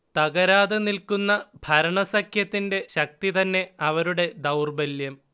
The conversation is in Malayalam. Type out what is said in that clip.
തകരാതെ നിൽക്കുന്ന ഭരണസഖ്യത്തിന്റെ ശക്തി തന്നെ അവരുടെ ദൗർബല്യം